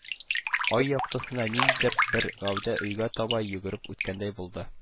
Ай яктысында ниндидер бер гәүдә өйгә таба йөгереп үткәндәй булды